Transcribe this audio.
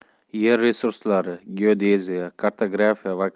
yer resurslari geodeziya kartografiya va